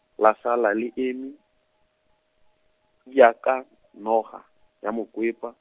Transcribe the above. la sala le eme, iaaka, noga, ya mokwepa.